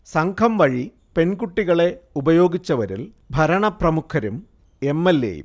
സംഘം വഴി പെൺകുട്ടികളെ ഉപയോഗിച്ചവരിൽ ഭരണപ്രമുഖരും എം. എൽ. എ. യും